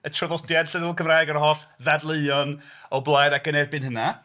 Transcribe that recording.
y traddodiad llenyddol Cymraeg, ar holl ddadleuon o blaid ac yn erbyn hynna.